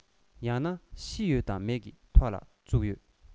ཡང ན ཤི ཡོད དང མེད ཀྱི ཐོག ལ བཙུགས ཡོད